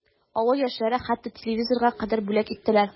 Авыл яшьләре хәтта телевизорга кадәр бүләк иттеләр.